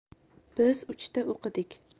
biz uchta o'qidik